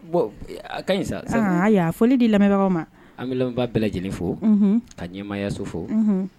Bon a ka ɲi sisan sisan a fɔ di lamɛnbagaw ma anba bɛɛ lajɛleneni fo ka ɲɛmaayasofo